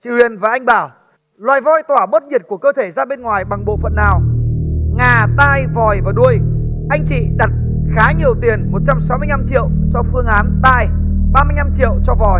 chị huyền và anh bảo loài voi tỏa bớt nhiệt của cơ thể ra bên ngoài bằng bộ phận nào ngà tai vòi và đuôi anh chị đặt khá nhiều tiền một trăm sáu mươi lăm triệu cho phương án tai ba mươi lăm triệu cho vòi